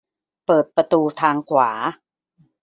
เปิดประตูทางขวา